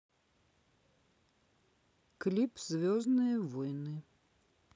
клип звездные войны